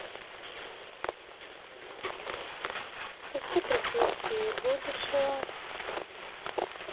запусти профессии будущего